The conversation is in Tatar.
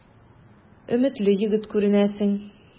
Өметле егет күренәсең.